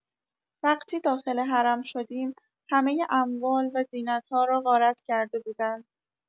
وقتی داخل حرم شدیم، همۀ اموال و زینت‌ها را غارت کرده بودند.